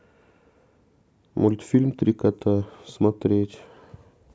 мультфильм три кота смотреть